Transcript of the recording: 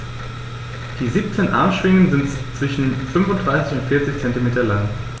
Die 17 Armschwingen sind zwischen 35 und 40 cm lang.